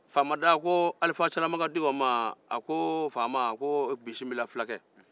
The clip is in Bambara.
faama da ko alifa silamakan dikɔ ma a ko faama a ko bisimila fulakɛ